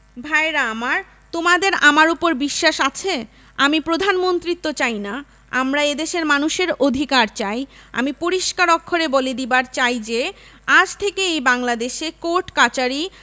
ভায়েরা আমার তোমরা আমার উপর বিশ্বাস আছে আমি প্রধানমন্ত্রিত্ব চাই না আমরা এদেশের মানুষের অধিকার চাই আমি পরিষ্কার অক্ষরে বলে দিবার চাই যে আজ থেকে এই বাংলাদেশে কোর্ট কাচারী